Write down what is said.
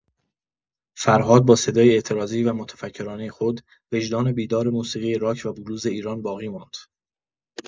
فرهاد با صدای اعتراضی و متفکرانه خود، وجدان بیدار موسیقی راک و بلوز ایران باقی ماند.